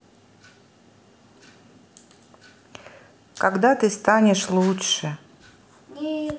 когда ты станешь лучше